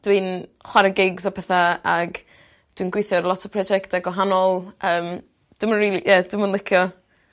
Dwi'n chware gigs a petha ag dwi'n gweithio ar lot o projectau gwahanol yym dwi'm yn rili ie dwi'm yn licio